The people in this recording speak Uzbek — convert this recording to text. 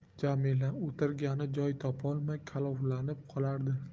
jamila o'tirgani joy topolmay kalovlanib qolardi